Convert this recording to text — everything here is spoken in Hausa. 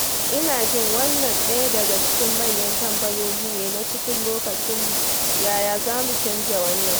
Ina jin wannan ɗaya daga cikin manyan tambayoyi ne na cikin lokacinmu - yaya za mu canja wannan?